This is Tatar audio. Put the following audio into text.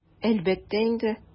Әлбәттә инде!